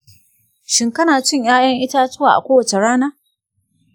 shin kana cin ’ya’yan itatuwa a kowace rana?